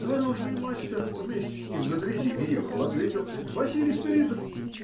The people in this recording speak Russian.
Дорожный мастер (вместе с ним на дрезине ехал) ответил: - Василий Спиридов.